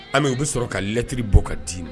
An u bɛ sɔrɔ kalɛtiri bɔ ka d diiinɛ